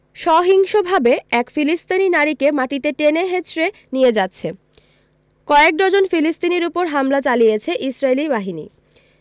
সহিংসভাবে এক ফিলিস্তিনি নারীকে মাটিতে টেনে হেঁচড়ে নিয়ে যাচ্ছে কয়েক ডজন ফিলিস্তিনির ওপর হামলা চালিয়েছে ইসরাইলি বাহিনী